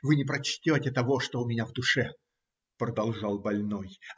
Вы не прочтете того, что у меня в душе, продолжал больной,